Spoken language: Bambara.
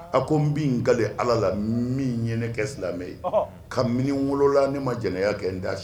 A ko n bɛ n kale ala la min ɲɛnɛ kɛ silamɛ ye ka min wolola ne ma jɛnɛya kɛ n'si